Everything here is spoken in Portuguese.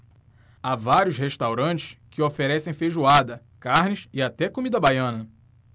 há vários restaurantes que oferecem feijoada carnes e até comida baiana